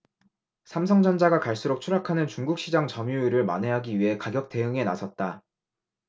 삼성전자가 갈수록 추락하는 중국 시장 점유율을 만회하기 위해 가격 대응에 나섰다